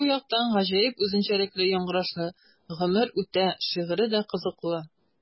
Бу яктан гаҗәеп үзенчәлекле яңгырашлы “Гомер үтә” шигыре дә кызыклы.